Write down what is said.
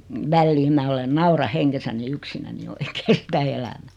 väliin minä olen nauran hengessäni yksinäni oikein sitä elämää